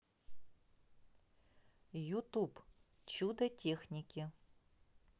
ютуб чудо техники